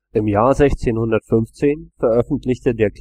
Im Jahr 1615 veröffentlichte der